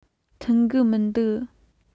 མཐུན གི མི འདུག